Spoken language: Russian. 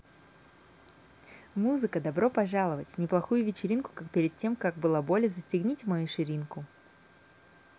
музыка добро пожаловать неплохую вечеринку как перед тем как балаболе застегните мою ширинку